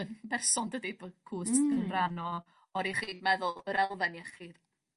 yn berson dydi bod cwsg... Mmm... yn ran o ffor i chi meddwl bod yr elfen iechyd